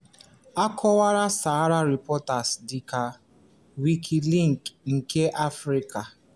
A kọwara SR dịka Wikileaks nke Africa.